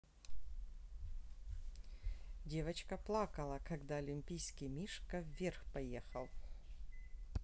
девочка плакала когда олимпийский мишка вверх поехал